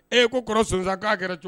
Ee ko kɔrɔ sonsan k'a yɛrɛ cogo